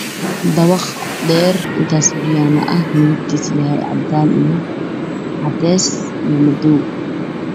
Fabaq dheer intaas biyaano ah madabkiso yahay cadan io cades io madow